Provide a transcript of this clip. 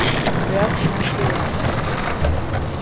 gravsteinar skulu hava frið